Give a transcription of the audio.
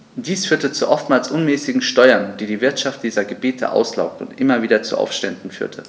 Dies führte zu oftmals unmäßigen Steuern, die die Wirtschaft dieser Gebiete auslaugte und immer wieder zu Aufständen führte.